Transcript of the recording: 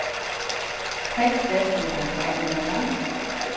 seks desilitrar av hveitimjøli